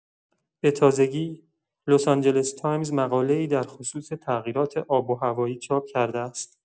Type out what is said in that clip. به‌تازگی، لس‌آنجلس تایمز مقاله‌ای در خصوص تغییرات آب‌وهوایی چاپ کرده است.